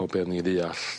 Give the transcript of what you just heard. o be' o'n i'n ddeall